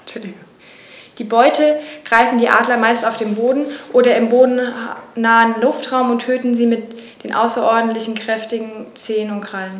Die Beute greifen die Adler meist auf dem Boden oder im bodennahen Luftraum und töten sie mit den außerordentlich kräftigen Zehen und Krallen.